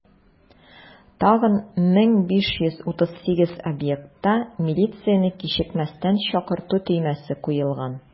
Тагын 1538 объектта милицияне кичекмәстән чакырту төймәсе куелган.